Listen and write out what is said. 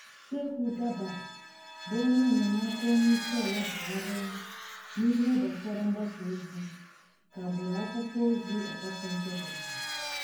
Shehu Garba, bụ onye enyemaka Onyeisiala Buhari n'ihe gbasara mgbasa ozi, kagburu akwụkwọ ozi Obasanjo dere: